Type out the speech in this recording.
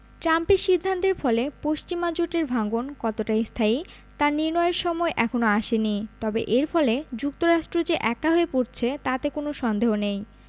ট্রাম্পের সিদ্ধান্তের ফলে পশ্চিমা জোটের ভাঙন কতটা স্থায়ী তা নির্ণয়ের সময় এখনো আসেনি তবে এর ফলে যুক্তরাষ্ট্র যে একা হয়ে পড়ছে তাতে কোনো সন্দেহ নেই